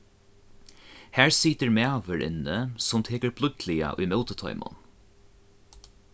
har situr maður inni sum tekur blídliga ímóti teimum